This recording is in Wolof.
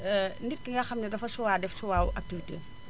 nit ki nga xam ne dafa choix def choix wu activité am